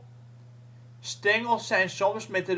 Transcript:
Stengels zijn soms met